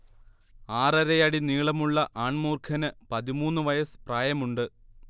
ആറരയടി നീളവുമുള്ള ആൺ മൂർഖന് പതിമൂന്ന് വയസ് പ്രായമുണ്ട്